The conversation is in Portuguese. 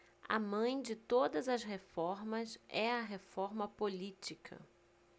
a mãe de todas as reformas é a reforma política